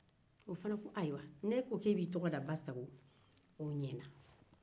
o ko ni e ko k'i bi tɔgɔ da basgo o ɲɛna